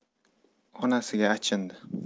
onasiga achindi